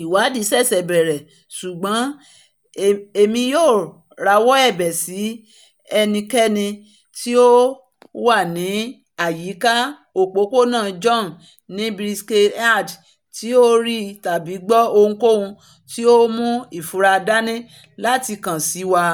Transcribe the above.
'Ìwáàdí ṣèṣẹ bẹ̀rẹ̀ ṣùgbọ́n Èmi yóò rawọ́ ẹ̀bẹ̀ sí ẹnikẹ́ni tí ó wà ní àyíká Òpópónà John ní Birkenhead tí ó rí tàbí gbọ́ ohunkóhun tí ó mú ìfura dání láti kàn sí wa.